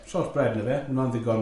Shortbread na fe, ma'n ddigon.